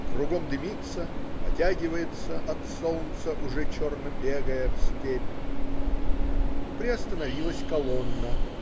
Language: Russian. Кругом дымится, потягивается от солнца уже черно-пегая степь. Приостановилась колонна.